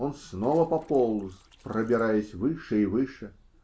Он снова пополз, пробираясь выше и выше.